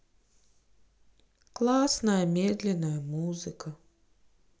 классная медленная музыка